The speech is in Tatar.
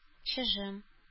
Чыжым